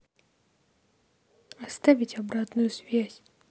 оставить обратную связь